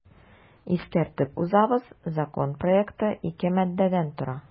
Искәртеп узабыз, закон проекты ике маддәдән тора.